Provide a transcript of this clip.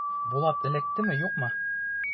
Булат эләктеме, юкмы?